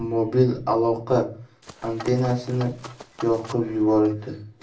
aholi mobil aloqa antennasini yoqib yubordi